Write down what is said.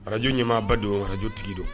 Arajo ɲɛmaa ba don o araj tigi don